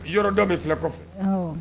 Yɔrɔ dɔn bɛ filɛ kɔfɛ